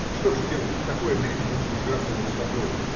Что ж делать, в такое время нужно жертвовать собой.